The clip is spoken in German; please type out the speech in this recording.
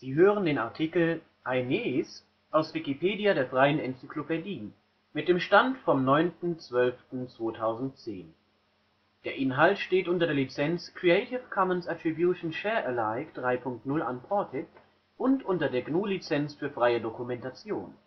hören den Artikel Aeneis, aus Wikipedia, der freien Enzyklopädie. Mit dem Stand vom Der Inhalt steht unter der Lizenz Creative Commons Attribution Share Alike 3 Punkt 0 Unported und unter der GNU Lizenz für freie Dokumentation